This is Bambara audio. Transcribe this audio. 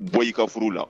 Bɔ i ka furu la